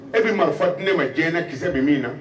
E min maa fa tɛ ne ma diɲɛɲɛna kisɛ bɛ min na